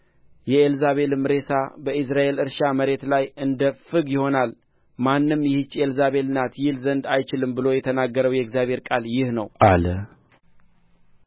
የኤልዛቤልም ሬሳ በኢይዝራኤል እርሻ መሬት ላይ እንደ ፍግ ይሆናልና ማንም ይህች ኤልዛቤል ናት ይል ዘንድ አይችልም ብሎ የተናገረው የእግዚአብሔር ቃል ይህ ነው አለ